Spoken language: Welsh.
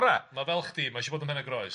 Ma' fel chdi, ma' sio bod ym Mhenygroes.